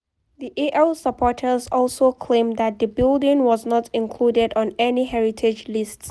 The AL supporters also claimed that the building was not included on any heritage list.